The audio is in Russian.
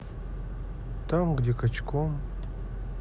там где качком